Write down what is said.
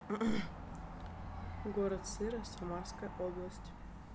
город сыра самарская область